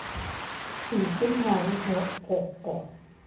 смертельное оружие окко